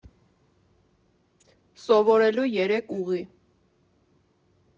Սովորելու երեք ուղի։